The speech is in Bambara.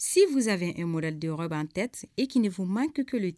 Si fusaeemo deban tɛ ekfo man ke kelen ten